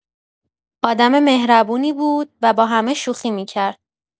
آدم مهربونی بود و با همه شوخی می‌کرد.